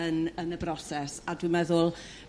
yn yn y broses a dw i'n meddwl